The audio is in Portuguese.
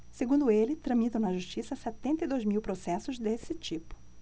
segundo ele tramitam na justiça setenta e dois mil processos desse tipo